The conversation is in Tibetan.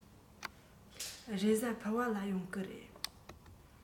རེས གཟའ ཕུར བུ ལ ཡོང གི རེད